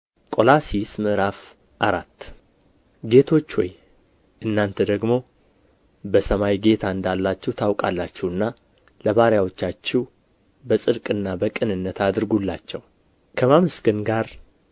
ቆላስይስ ምዕራፍ አራት ጌቶች ሆይ እናንተ ደግሞ በሰማይ ጌታ እንዳላችሁ ታውቃላችሁና ለባሪያዎቻችሁ በጽድቅና በቅንነት አድርጉላቸው ከማመስገን ጋር